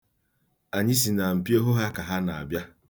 Anyị si na mpio hụ ha ka ha na-abịa.